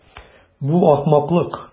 Бу ахмаклык.